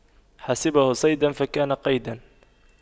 حسبه صيدا فكان قيدا